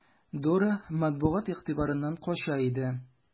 Дора матбугат игътибарыннан кача иде.